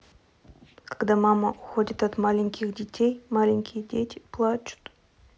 когда мама уходит от детей маленьких маленькие дети плачут